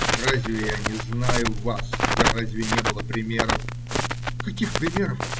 Разве я не знаю вас и разве не было примеров? - Каких примеров?